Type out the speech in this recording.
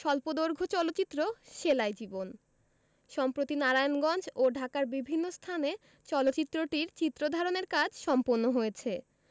স্বল্পদৈর্ঘ্য চলচ্চিত্র সেলাই জীবন সম্প্রতি নারায়ণগঞ্জ ও ঢাকার বিভিন্ন স্থানে চলচ্চিত্রটির চিত্র ধারণের কাজ সম্পন্ন হয়েছে